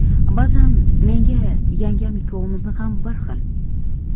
ba'zan menga yangam ikkovimizni ham bir xil